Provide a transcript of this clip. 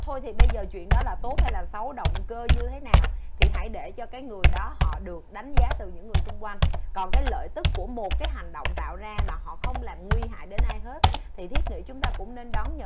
thôi thì bây giờ chuyện đó là tốt hay là xấu động cơ như thế nào thì hãy để cho cái người đó họ được đánh giá từ những người xung quanh còn cái lợi tức của một cái hành động tạo ra mà họ không làm nguy hại đến ai hết thì thiết nghĩ chúng ta cũng nên đón nhận